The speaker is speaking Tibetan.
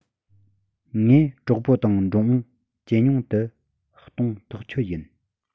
ངས གྲོགས པོ དང འགྲོ འོང ཇེ ཉུང དུ གཏོང ཐག ཆོད ཡིན